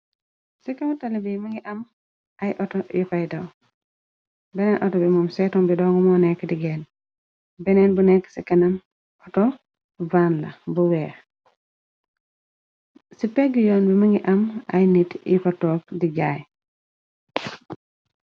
Ci kaw tali bi ma ngi am ay auto yu faydaw. Beneen auto bi muom setom bi dong moo nekk digéen beneen bu nekk ci kanam. Auto vanla bu weex ci pegg yoon bi më ngi am ay nit yu fa took di jaay.